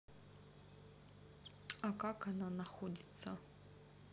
а как она находится